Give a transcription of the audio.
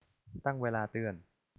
ตั้งเวลาเตือน